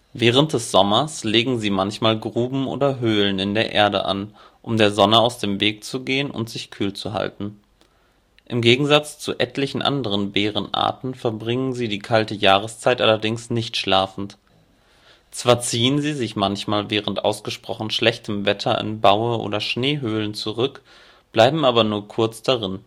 Während des Sommers legen sie manchmal Gruben oder Höhlen in der Erde an, um der Sonne aus dem Weg zu gehen und sich kühl zu halten. Im Gegensatz zu etlichen anderen Bärenarten verbringen sie die kalte Jahreszeit allerdings nicht schlafend. Zwar ziehen sie sich manchmal während ausgesprochen schlechtem Wetter in Baue oder Schneehöhlen zurück, bleiben aber nur kurz darin